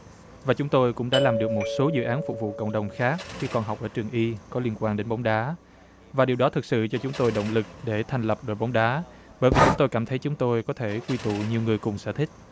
và chúng tôi cũng đã làm được một số dự án phục vụ cộng đồng khác khi còn học ở trường y có liên quan đến bóng đá và điều đó thực sự cho chúng tôi động lực để thành lập đội bóng đá bởi vì chúng tôi cảm thấy chúng tôi có thể quy tụ nhiều người cùng sở thích